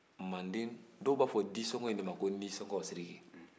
mande dɔw b'a fɔ disɔngɔn in ma ko ninsɔngɔn